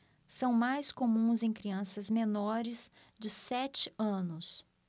são mais comuns em crianças menores de sete anos